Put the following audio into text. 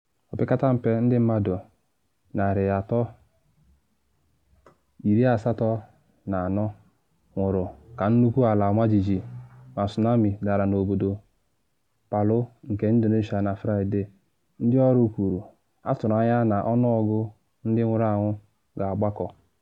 Opekata mpe ndị mmadụ 384 nwụrụ ka nnukwu ala ọmajiji na tsunami dara n’obodo Palu nke Indonesia na Fraịde, ndị ọrụ kwuru, atụrụ anya na ọnụọgụ ndị nwụrụ anwụ ga-agbakọ.